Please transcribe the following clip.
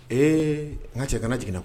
Ee ŋa cɛ kana jigin na